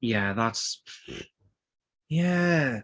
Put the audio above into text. Ie that's ie.